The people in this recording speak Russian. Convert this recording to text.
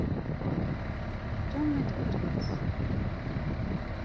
темный дворец ой